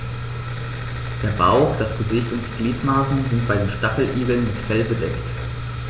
Der Bauch, das Gesicht und die Gliedmaßen sind bei den Stacheligeln mit Fell bedeckt.